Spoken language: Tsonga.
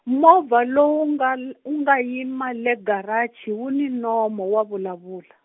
movha lowu nga l-, unga yima le garachi wu ni nomu wa vulavula.